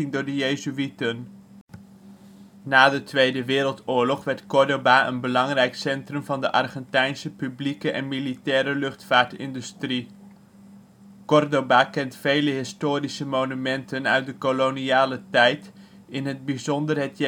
door de jezuïeten. Na de Tweede Wereldoorlog werd Córdoba een belangrijk centrum van de Argentijnse publieke en militaire luchtvaartindustrie. Córdoba kent vele historische monumenten uit de koloniale tijd, in het bijzonder het